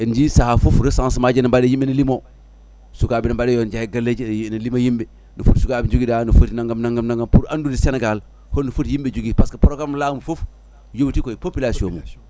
en jii saaha foof recensement aji ne mbaɗe yimɓe ne liimo sukaɓe ne mbaɗe yo jeeh e galleji ene liima yimɓe no foti sukaɓe joguiɗa no foti naggam naggam naggam pour andude Sénégal holno foti yimɓe jogui par ce que programme laamu foof yowti koye population mum